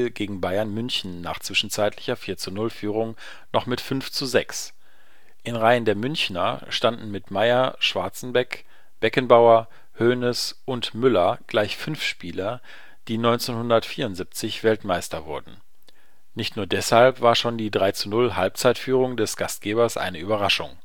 gegen Bayern München nach zwischenzeitlicher 4:0-Führung noch mit 5:6. In Reihen der Münchner standen mit Maier, Schwarzenbeck, Beckenbauer, Hoeneß und Müller gleich fünf Spieler, die 1974 Weltmeister wurden. Nicht nur deshalb war schon die 3:0-Halbzeitführung des Gastgebers eine Überraschung